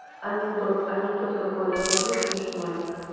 анекдот анекдот какой расскажи смешной